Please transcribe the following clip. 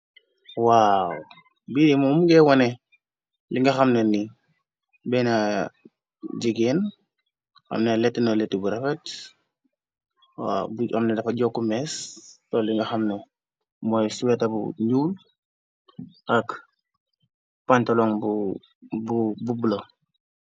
Waaw bee mumu ge wone li nga xamna ni benna jegeen xamna lett na leti bu refat. Bu amna dafa jokk mees tolli nga xamna mooy suweta bu njuul. Ak pantalong bu blo.